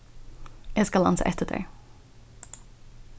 eg skal ansa eftir tær